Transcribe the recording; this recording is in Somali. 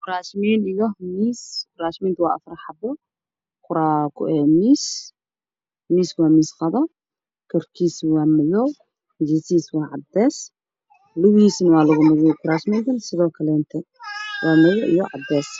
Kuraash iyo miis miis qado lugihiisa waa cadaan kor kiisana waa cagaar